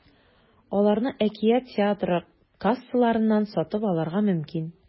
Аларны “Әкият” театры кассаларыннан сатып алырга мөмкин.